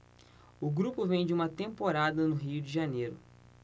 o grupo vem de uma temporada no rio de janeiro